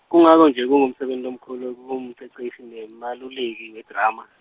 Kungako-nje kungumsebenti lomkhulu kumceceshi nemeluleki wedrama.